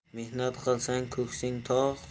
mehnat qilsang ko'ksing tog'